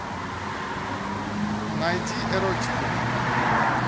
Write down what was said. найди эротику